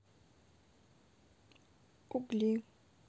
угли